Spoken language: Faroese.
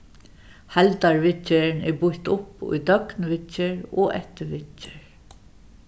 heildarviðgerðin er býtt upp í døgnviðgerð og eftirviðgerð